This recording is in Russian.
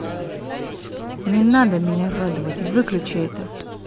не надо меня радовать выключи это